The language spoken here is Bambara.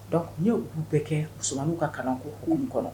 Dɔnkuc n' u b'u bɛ kɛ musomanmanw ka kalan ko' kɔnɔ